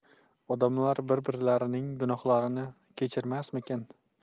odamlar bir birlarining gunohlarini kechirmasmikin